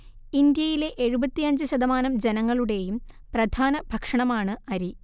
ഇന്ത്യയിലെ എഴുപത്തിയഞ്ച് ശതമാനം ജനങ്ങളുടേയും പ്രധാന ഭക്ഷണമാണ്‌ അരി